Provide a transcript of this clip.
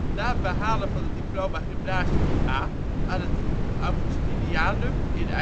behalen van het diploma gymnasium-A aan het Augustinianum in Eindhoven